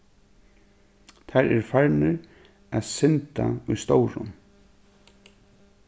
teir vóru farnir at synda í stórum